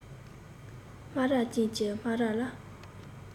སྨ ར ཅན གྱི སྨ ར ལ